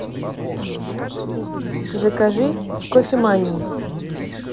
закажи в кофемании